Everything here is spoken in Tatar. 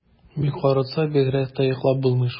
Бик арытса, бигрәк тә йоклап булмый шул.